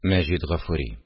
Мәҗит Гафури